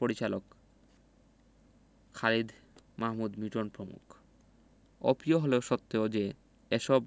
পরিচালক খালিদ মাহমুদ মিটন প্রমুখ অপ্রিয় হলেও সত্ত্বেও যে এসব